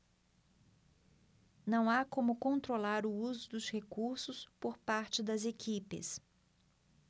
não há como controlar o uso dos recursos por parte das equipes